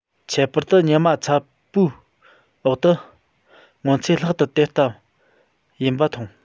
ཁྱད པར དུ ཉི མ ཚ པོའི འོག ཏུ མངོན ཚེ ལྷག ཏུ དེ ལྟ ཡིན པ མཐོང